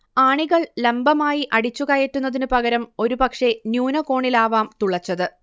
ആണികൾ ലംബമായി അടിച്ചുകയറ്റുന്നതിനു പകരം ഒരുപക്ഷേ ന്യൂനകോണിലാവാം തുളച്ചത്